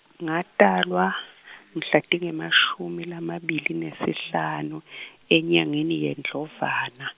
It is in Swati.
ngatalwa, mhla tingemashumi lamabili nesihlanu, enyangeni yeNdlovana.